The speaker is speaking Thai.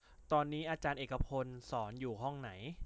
ตอนนี้อาจารย์เอกพลสอนอยู่ห้องไหน